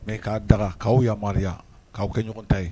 Mɛ k'a daga k'aw yama k'aw kɛ ɲɔgɔn ta ye